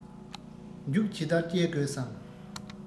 མཇུག ཇི ལྟར བསྐྱལ དགོས སམ